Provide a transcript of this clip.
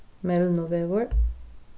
mylnuvegur